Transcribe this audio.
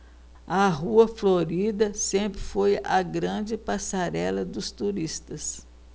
a rua florida sempre foi a grande passarela dos turistas